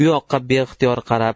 uyoqqa beixtiyor qarab